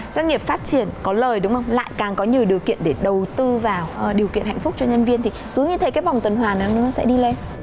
doanh nghiệp phát triển có lời đúng khônglại càng có nhiều điều kiện để đầu tư vào ở điều kiện hạnh phúc cho nhân viên thì cứ như thế cái vòng tuần hoàn nó sẽ đi lên